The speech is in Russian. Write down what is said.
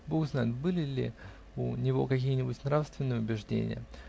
Бог знает, были ли у него какие-нибудь нравственные убеждения?